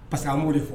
Pa que an b' de fɔ